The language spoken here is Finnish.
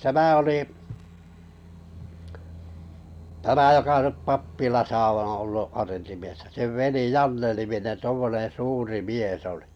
tämä oli tämä joka nyt pappilassa on ollut arentimiehenä sen veli Janne-niminen tuommoinen suuri mies oli